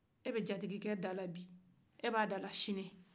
e bɛ jatigikɛ dala bi e b'a dala sini